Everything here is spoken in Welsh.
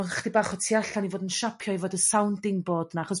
o 'ch'dig bach o tu allan i fod yn siapio i fod y sounding board 'na 'chos